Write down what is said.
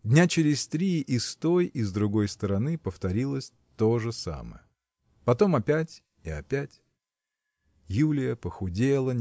Дня через три и с той и с другой стороны повторилось то же самое. Потом опять и опять. Юлия похудела